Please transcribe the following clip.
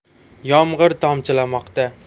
yomg'ir tomchilamoqda